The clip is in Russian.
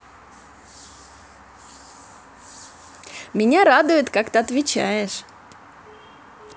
меня радует как ты отвечаешь